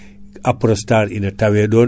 Aprostar ina tawe ɗon